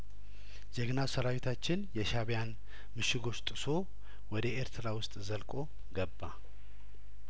ጀግናው ሰራዊታችን የሻእብያንምሽጐች ጥሶ ወደ ኤርትራ ውስጥ ዘልቆ ገባ